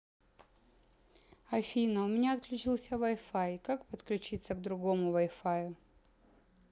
афина у меня отключился wi fi как подключиться к другому вайфаю